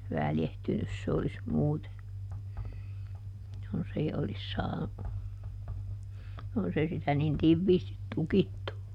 väljähtynyt se olisi muuten jos ei olisi - jos ei sitä niin tiiviisti tukittu